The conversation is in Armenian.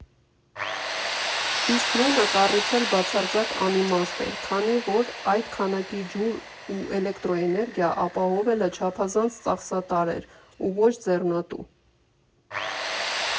Իսկ նույնը կառուցել բացարձակ անիմաստ էր, քանի որ այդ քանակի ջուր ու էլեկտրաէներգիա ապահովելը չափազանց ծախսատար էր ու ոչ ձեռնտու։